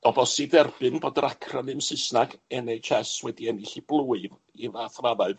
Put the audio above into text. o bosib derbyn bod yr acronym Saesnag En Heitch Ess wedi ennill 'i blwy i fath raddau